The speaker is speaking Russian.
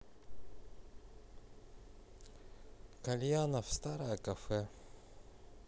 кальянов старое кафе